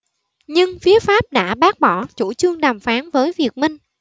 nhưng phía pháp đã bác bỏ chủ trương đàm phán với việt minh